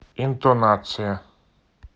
интонация